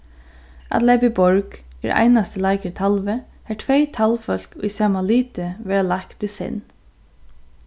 at leypa í borg er einasti leikur í talvi har tvey talvfólk í sama liti verða leikt í senn